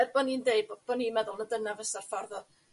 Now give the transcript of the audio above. er bo' ni'n deud bo' bo' ni'n meddwl y dyna fysa'r ffordd o...